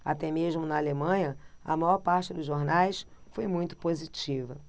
até mesmo na alemanha a maior parte dos jornais foi muito positiva